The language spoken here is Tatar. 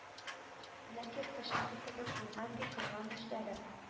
Нәкъ ерткычныкы кебек булган, ди, кылган эшләре